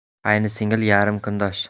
qaynsingil yarim kundosh